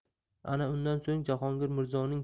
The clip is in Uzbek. ana undan so'ng jahongir mirzoning